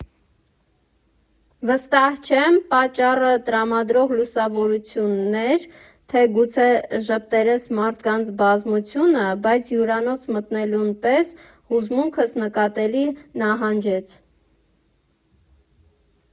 Վստահ չեմ՝ պատճառը տրամադրող լուսավորությունն էր, թե՞ գուցե ժպտերես մարդկանց բազմությունը, բայց հյուրանոց մտնելուն պես հուզմունքս նկատելի նահանջեց։